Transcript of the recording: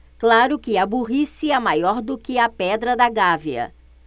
claro que a burrice é maior do que a pedra da gávea